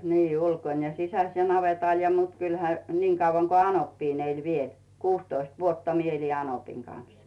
niin ulkona ja sisässä ja navetalla ja mutta kyllähän niin kauan kuin anoppi eli vielä kuusitoista vuotta minä elin anopin kanssa